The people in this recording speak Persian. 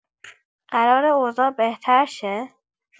قراره اوضاع بهتر شه؟